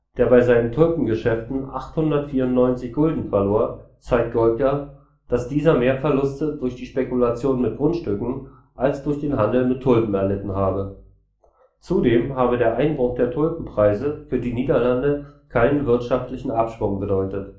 der bei seinen Tulpengeschäften 894 Gulden verlor, zeigt Goldgar, dass dieser mehr Verluste durch die Spekulation mit Grundstücken als durch den Handel mit Tulpen erlitten habe. Zudem habe der Einbruch der Tulpenpreise für die Niederlande keinen wirtschaftlichen Abschwung bedeutet